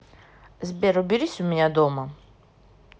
сбер уберись у меня дома